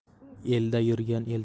elda yurgan el tanir